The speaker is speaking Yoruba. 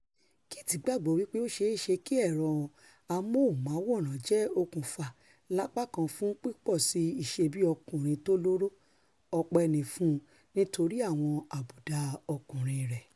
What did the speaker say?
Kit gbàgbọ́ wí pé ó ṣeé ṣe kí ẹ̀rọ amóhùnmáwòrán jẹ́ okùnfà lápá kàn fún pípọ̀síi ìṣebí-ọkùnrin tólóró ọpẹ́ ni fún un nítorí àwọn àbùdá ọkùnrin rẹ̀.